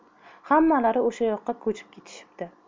hammalari o'sha yoqqa ko'chib ketishibdi